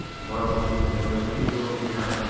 boy qo'shningdan so'raguncha yo'q uyingni axtar